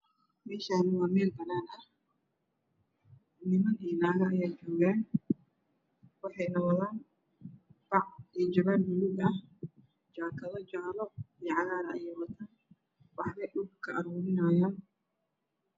Meeshan waa meel banaan ah niman iyo naago ayaa joogan waxayna wadaan bac iyo jawaan buluug ah jaakado jaalo iyo cagaar ah ayay wataan waxbay dhulka ka aruurinayaan